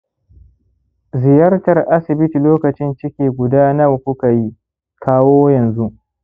ziyartar asibiti lokacin ciki guda nawa ku ka yi kawo yanzu